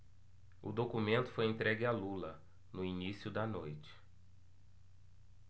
o documento foi entregue a lula no início da noite